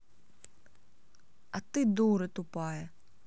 а ты дура тупая